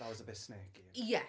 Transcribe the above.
That was a bit snakey... Ie.